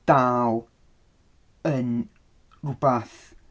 Dal yn rywbeth...